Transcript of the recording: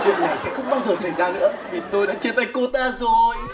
chuyện này sẽ không bao giờ xảy ra nữa vì tôi chia tay cô ta rồi